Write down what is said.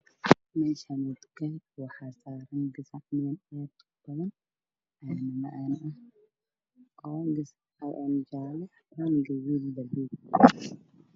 Meeshaani waa tukaan waxa saaran gasacman aad u badan aad u badan oo macdan ah ka gooban gasacman jaalo, gaduud iyo baluug